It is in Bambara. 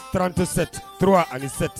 37 - 3 ani 7